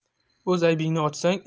o'z aybingni ochsang